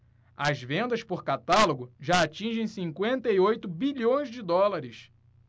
as vendas por catálogo já atingem cinquenta e oito bilhões de dólares